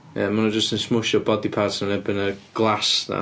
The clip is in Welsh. Ia, ma' nhw jyst yn smushio body parts nhw yn erbyn y glass na,